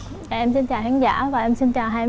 em xin chào khán giả và em xin chào hai